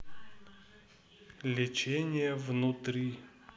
лечение внутри